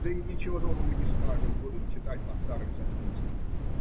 Да и ничего нового не скажут, будут читать по старым запискам.